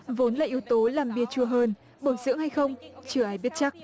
vốn là yếu tố làm bia chua hơn bổ dưỡng hay không chưa ai biết chắc